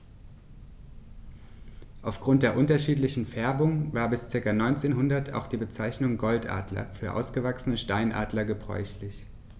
Auf Grund der unterschiedlichen Färbung war bis ca. 1900 auch die Bezeichnung Goldadler für ausgewachsene Steinadler gebräuchlich.